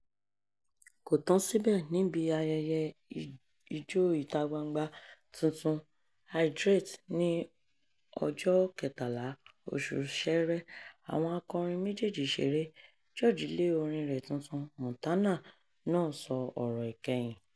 Kò tán síbẹ̀: níbi ayẹyẹ Ijó ìta-gbangba tuntun, "Hydrate", ní ọjọ́ 13 oṣù Ṣẹrẹ, àwọn akọrin méjèèjì ṣeré. George lé orin rẹ̀ tuntun Montano náà sọ ọ̀rọ̀ ìkẹyìn: